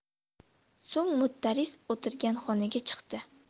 so'ng mudarris o'tirgan xonaga chiqdi